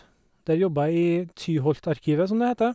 Der jobber jeg i Tyholtarkivet, som det heter.